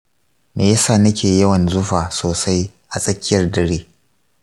me yasa nake yawan zufa sosai a tsakiyar dare?